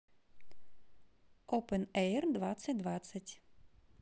опэн эйр двадцать двадцать